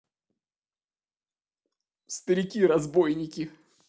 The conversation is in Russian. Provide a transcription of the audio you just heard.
старики разбойники